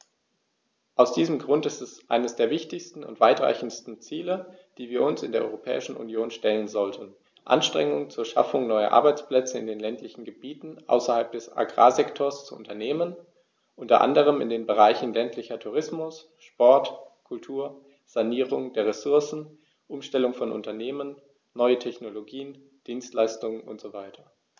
Aus diesem Grund ist es eines der wichtigsten und weitreichendsten Ziele, die wir uns in der Europäischen Union stellen sollten, Anstrengungen zur Schaffung neuer Arbeitsplätze in den ländlichen Gebieten außerhalb des Agrarsektors zu unternehmen, unter anderem in den Bereichen ländlicher Tourismus, Sport, Kultur, Sanierung der Ressourcen, Umstellung von Unternehmen, neue Technologien, Dienstleistungen usw.